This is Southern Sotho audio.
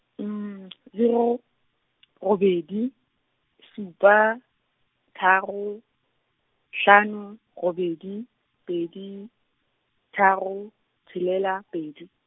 zero , robedi, supa, tharo, hlano, robedi, pedi, tharo, tshelela, pedi.